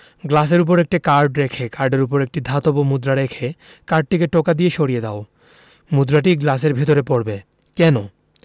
গ্লাসের উপর একটা কার্ড রেখে কার্ডের উপর একটা ধাতব মুদ্রা রেখে কার্ডটিকে টোকা দিয়ে সরিয়ে দাও মুদ্রাটি গ্লাসের ভেতর পড়বে কেন